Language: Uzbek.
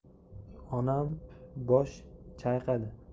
onam bosh chayqadi